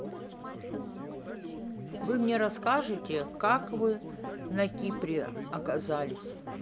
вы мне расскажите как вы на кипре оказались